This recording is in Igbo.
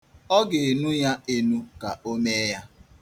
Ọ ga-enu enu ya ka o mee ya.